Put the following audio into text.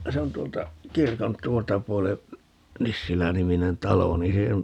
se on tuolta kirkon tuolta puolen Nissilä-niminen talo niin se